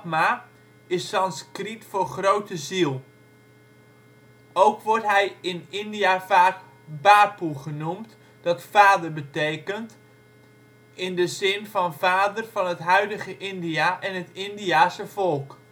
mahātmā ' is Sanskriet voor " grote ziel ". Ook wordt hij in India vaak Bapu genoemd, dat " vader " betekent in de zin van vader van het huidige India en het Indiase volk